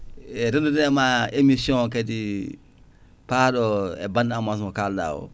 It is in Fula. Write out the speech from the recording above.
e rendudema émission kadi paaɗo e bande annonce mo kalɗa o